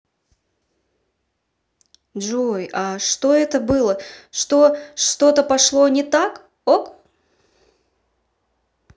джой а что это было что что то пошло не так ok